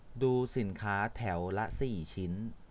ดูสินค้าแถวละสี่ชิ้น